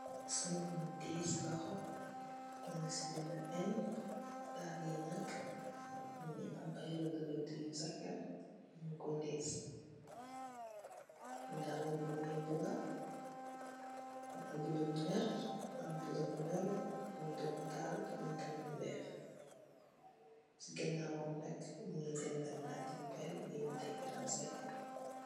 Boots la buum tiyeh cii lokhor, njung cii bindu N, daalah yii nak mungy am aiiy rehdue rehdue yu sakan, njung kor lace, daalah bii mungy bleu, bleu bu njorr, am bleu bu njorut, am dormu taal, am tamit lu wekh, cii ganawam nak mungy denak daalu yu bari yungh tek raanzaleh.